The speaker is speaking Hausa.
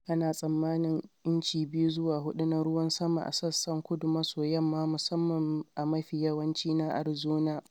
Ana tsammanin inci 2 zuwa 4 na ruwan sama a sassan kudu-maso-yamma, musamman a mafi yawanci na Arizona.